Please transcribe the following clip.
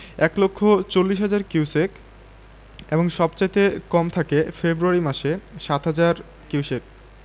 এক লক্ষ চল্লিশ হাজার কিউসেক এবং সবচাইতে কম থাকে ফেব্রুয়ারি মাসে ৭হাজার কিউসেক